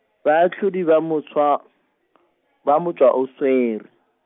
baahlodi ba motshwa-, ba motšwaoswere.